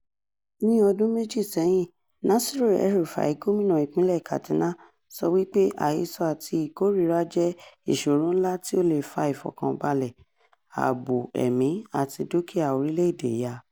Ní ọdún méjì sẹ́yìn, Nasir El-Rufai, gómìnà ìpínlẹ̀ Kaduna, sọ wípé àhesọ àti ọ̀rọ̀ ìkórìíra jẹ́ “ìṣòro ńlá” tí ó lè fa ìfọ̀kànbalẹ̀, ààbò ẹ̀mí àti dúkìá orílẹ̀-èdè yà.